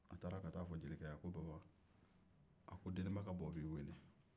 a taara ka ta'a fɔ jelicɛ ye ko baba a ko deninba ka bɔ b'e weele